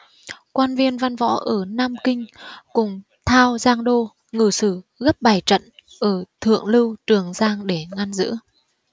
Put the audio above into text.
quan viên văn võ ở nam kinh cùng thao giang đô ngự sử gấp bày trận ở thượng lưu trường giang để ngăn giữ